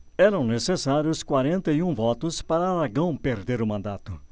eram necessários quarenta e um votos para aragão perder o mandato